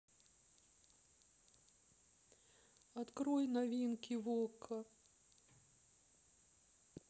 открой новинки в окко